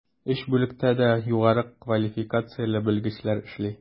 Өч бүлектә дә югары квалификацияле белгечләр эшли.